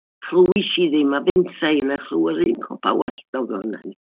Chlywais i ddim, a fentra i na chlyw yr un copa walltog ohonan ni.